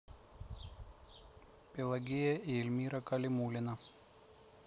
пелагея и эльмира калимуллина